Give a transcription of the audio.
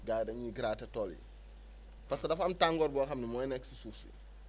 gars :ra yi dañuy gratter tool yi parce que dafa am tàngoor boo xam ne mooy nekk si suuf si